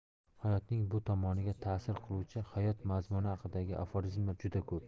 hayotning bu tomoniga ta'sir qiluvchi hayot mazmuni haqidagi aforizmlar juda ko'p